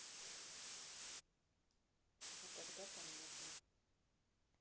а тогда понятно